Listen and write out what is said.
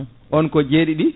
on ko jeeɗiɗi